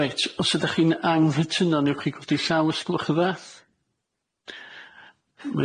Reit os ydach chi'n anghytuno newch chi godi llaw os gwelwch yn dda?